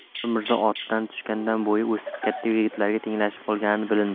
bobur mirzo otdan tushganda bo'yi o'sib katta yigitlarga tenglashib qolgani bilindi